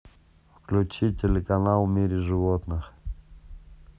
включить телеканал в мире животных